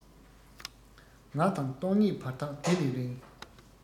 ང དང སྟོང ཉིད བར ཐག དེ ལས རིང